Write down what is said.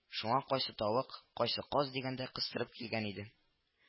Шуңа кайсы тавык, кайсы каз дигәндәй кыстырып килгән иде